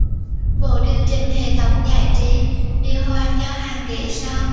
bộ điều chỉnh hệ thống giải trí điều hòa cho hàng ghế sau